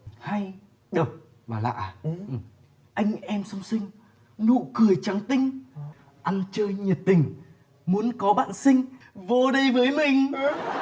hay độc mà lạ à anh em song sinh nụ cười trắng tinh ăn chơi nhiệt tình muốn có bạn xinh vô đây với mình